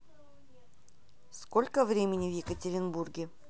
сколько времени в екатеринбурге